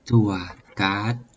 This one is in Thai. จั่วการ์ด